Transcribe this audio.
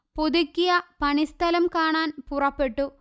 പുതുക്കിയ പണി സ്ഥലം കാണാൻപുറപ്പെട്ടു